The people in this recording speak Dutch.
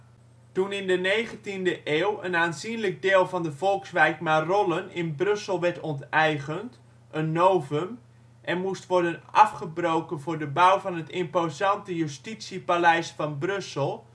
Toen in de 19e eeuw een aanzienlijk deel van de volkswijk Marollen in Brussel werd onteigend - een novum -, en moest worden afgebroken voor de bouw van het imposante Justitiepaleis van Brussel